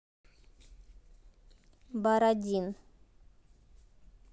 бородин